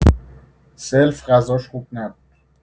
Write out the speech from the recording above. سلف غذاش خوب نبود